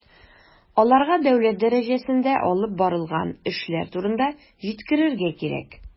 Аларга дәүләт дәрәҗәсендә алып барылган эшләр турында җиткерергә кирәк.